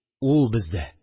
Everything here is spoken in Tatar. Ул бездә.